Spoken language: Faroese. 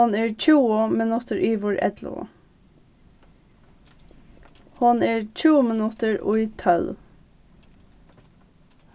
hon er tjúgu minuttir yvir ellivu hon er tjúgu minuttir í tólv